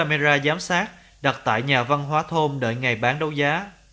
đặt tại nhà văn hóa thôn đợi ngày bán đấu giá